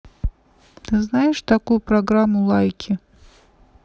ты знаешь такую программу лайки